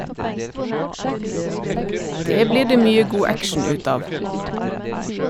Det blir det mye god action ut av!